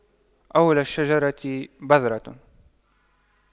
أول الشجرة بذرة